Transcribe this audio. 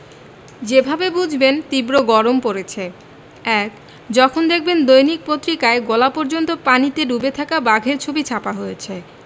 যেভাবে বুঝবেন তীব্র গরম পড়েছে ১. যখন দেখবেন দৈনিক পত্রিকায় গলা পর্যন্ত পানিতে ডুবে থাকা বাঘের ছবি ছাপা হয়েছে